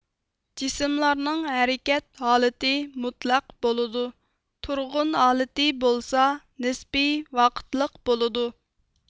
جىسىملارنىڭ ھەرىكەت ھالىتى مۇتلەق بولىدۇ تۇرغۇن ھالىتى بولسا نىسپىي ۋاقىتلىق بولىدۇ